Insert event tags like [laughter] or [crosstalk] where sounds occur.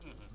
[hesitation] [hesitation]